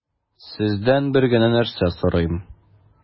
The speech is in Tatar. Сездән бер генә нәрсә сорыйм: